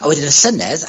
A wedyn y llynedd...